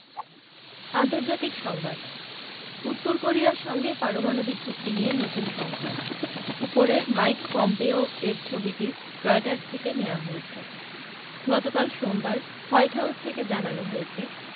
আন্তর্জাতিক সংবাদ উত্তর কোরিয়ার সঙ্গে পারমাণবিক চুক্তি নিয়ে নতুন সংশয় উপরের মাইক পম্পেও এর ছবিটি রয়টার্স থেকে নেয়া হয়েছে গতকাল সোমবার হোয়াইট হাউস থেকে জানানো হয়েছে